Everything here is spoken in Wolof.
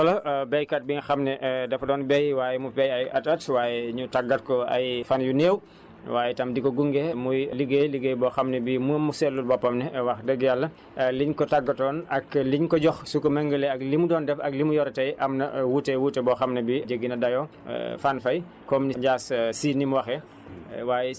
technique bi am na solo béykat bi nga xam ne dafa doon béy waaye mu béy ay at i at waaye ñu tàggat ko ay fan yu néew waaye tam di ko gunge muy liggéey liggéey boo xam ne bii moom mu seetlul boppam ne wax dëgg yàlla liñ ko tàggatoon ak liñ ko jox su ko méngale ak li mu doon def ak li mu yore tey am na wuute wuute boo xam ne bii jéggi na dayoo Fane Faye comme ni Dia Sy ni mu waxee